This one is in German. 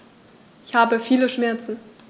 Ich habe viele Schmerzen.